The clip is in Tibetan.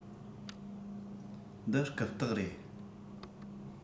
འདི རྐུབ སྟེགས རེད